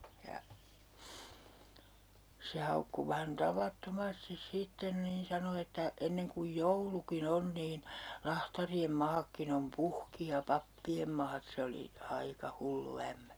ja se haukkui vähän tavattomasti sitten niin sanoi että ennen kuin joulukin on niin lahtarien maatkin on puhki ja pappien maat se oli aika hullu ämmä